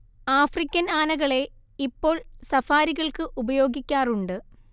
African ആനകളെ ഇപ്പോൾ സഫാരികൾക്ക് ഉപയോഗിക്കാറുണ്ട്